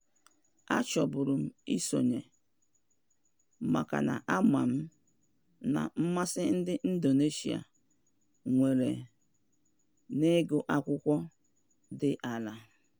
Achọburu m ịsonye maka na ama m na mmasị ndị Indonesia nwere n'ịgụ akwụkwọ dị ala.